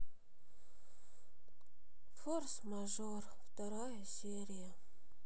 форс мажор вторая серия